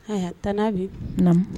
Ayiwa a taa n'a bɛ na